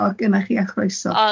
gymyd cyngor gynna chi a chroeso.